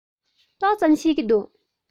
ཏོག ཙམ ཤེས ཀྱི འདུག